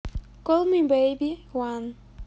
call me baby one